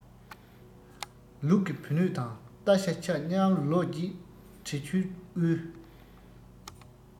ལུག གི བུ སྣོད དང རྟ ཤ ཆ མཉམ ལོ བརྒྱད དྲི ཆུས དབུལ